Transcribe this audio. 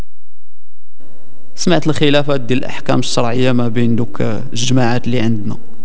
سمعت الخيل فوائد الاحكام الشرعيه ما بين الجماعات اللي عندنا